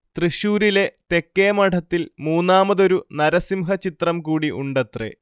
തൃശ്ശൂരിലെ തെക്കേമഠത്തിൽ മൂന്നാമതൊരു നരസിംഹചിത്രം കൂടി ഉണ്ടത്രേ